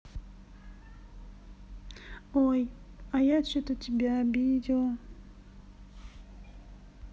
ой а я че то тебя обидела